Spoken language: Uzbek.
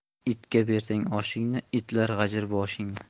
itga bersang oshingni itlar g'ajir boshingni